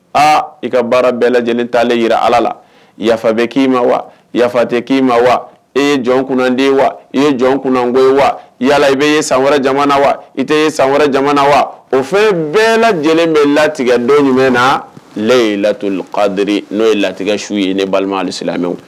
Aa i ka baara bɛɛ lajɛlen talen jira ala la yafabe k' ma wa yafa tɛ k' ma wa e ye jɔnden wa i ye jɔnko ye wa yala i bɛ ye san wɛrɛ jamana wa i tɛ ye san wɛrɛ jamana wa o fɛn bɛɛ lajɛlen bɛ latigɛ don jumɛn na ye latolid n'o ye latigɛ su ye ne balimamɛ